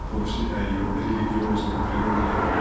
в вопросе о ее религиозной" природе